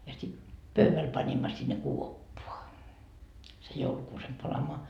ja sitten pöydälle panimme sinne kuoppaan sen joulukuusen palamaan